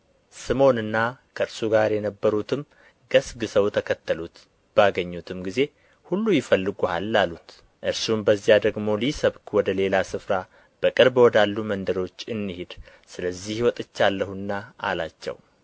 ስምዖንና ከእርሱ ጋር የነበሩትም ገሥግሠው ተከተሉት ባገኙትም ጊዜ ሁሉ ይፈልጉሃል አሉት እርሱም በዚያ ደግሞ ልሰብክ ወደ ሌላ ስፍራ በቅርብ ወዳሉ መንደሮች እንሂድ ስለዚህ ወጥቻለሁና አላቸው